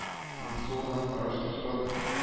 Моңсу гына караш ташлап